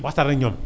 waxtaan ak ñoom